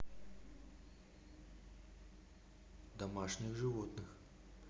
домашних животных